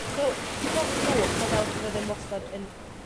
So dros nos ma' o fel se fe ddim wastod yn